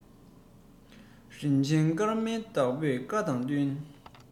རིན ཆེན སྐར མའི བདག པོའི བཀའ དང བསྟུན